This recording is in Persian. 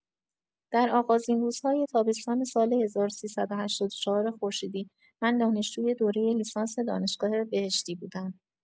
در آغازین روزهای تابستان سال ۱۳۸۴ خورشیدی، من دانشجوی دورۀ لیسانس دانشگاه بهشتی بودم.